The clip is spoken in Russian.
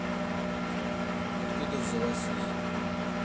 откуда взялась лень